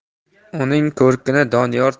uning ko'rkini doniyorchalik